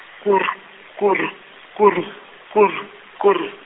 kuru, kuru, kuru, kuru, kuru.